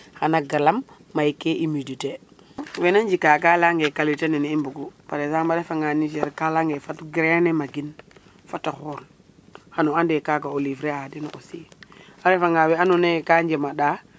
xana galam may ke humidité wena njika ga leyange qualiter nene i mbugu parexemple a refa nga Niger ka leyange fat grain ne magin fata xool xano ande kaga o livrer a den aussi a refa nga we ando naye ka njeɓaɗa